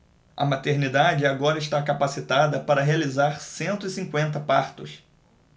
a maternidade agora está capacitada para realizar cento e cinquenta partos